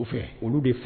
U fɛ olu